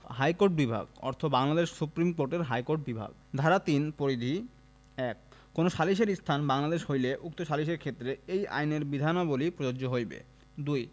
ইহাকোর্ট বিভাগ অর্থ বাংলাদেশ সুপ্রীম কোর্টের হাইকোর্ট বিভাগ ধারা ৩ পরিধি ১ কোন সালিসের স্থান বাংলাদেশ হইলে উক্ত সালিসের ক্ষেত্রে এই আইনের বিধানাবলী প্রযোজ্য হইবে ২